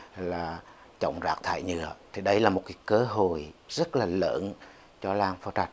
là chống rác thải nhựa thì đây là một cái cơ hội rất là lớn cho làng phò trạch